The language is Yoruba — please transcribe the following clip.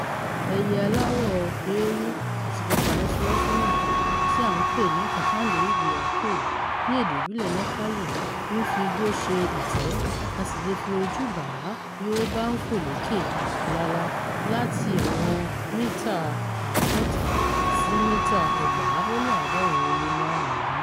Ẹyẹ aláwọ̀ eérú-àti-pupa-rẹ́súrẹ́sú náà, tí à ń pè ní Kaande Bhyakur ní èdè ìbílẹ̀ Nepali, ń fi igbó ṣe ìtẹ́ a sì lè fi ojú bà á bí ó bá ń fò lókè lálá láti ìwọ̀n mítà 500 sí mítà 2135.